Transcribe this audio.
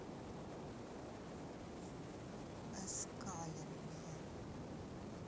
оскаленные